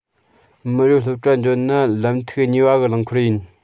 མི རིགས སློབ གྲྭ འགྱོ ན ལམ ཐིག གཉིས བ གི རླངས འཁོར ཡིན